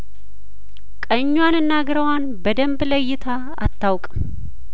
ቀኟንና ግራዋን በደንብ ለይታ አታውቅም